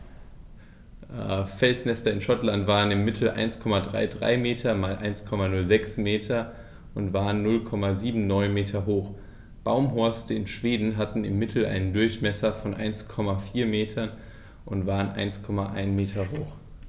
Felsnester in Schottland maßen im Mittel 1,33 m x 1,06 m und waren 0,79 m hoch, Baumhorste in Schweden hatten im Mittel einen Durchmesser von 1,4 m und waren 1,1 m hoch.